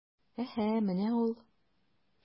Әһә, менә ул...